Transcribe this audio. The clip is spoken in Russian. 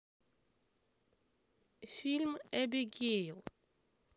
фильм эбигейл